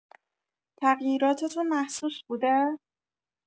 تغییراتتون محسوس بوده؟